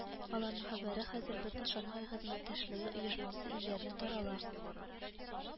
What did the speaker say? Аларның хәбәре хәзер бөтен Шанхай хезмәттәшлеге оешмасы илләренә тарала